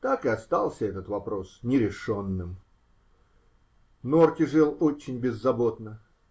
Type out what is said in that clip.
Так и остался этот вопрос нерешенным. Норти жил очень беззаботно.